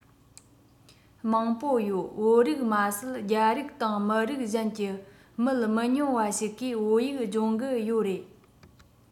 མང པོ ཡོད བོད རིགས མ ཟད རྒྱ རིགས དང མི རིགས གཞན གྱི མི མི ཉུང བ ཞིག གིས བོད ཡིག སྦྱོང གི ཡོད རེད